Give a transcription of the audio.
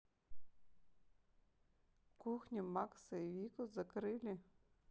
кухня макса и вику закрыли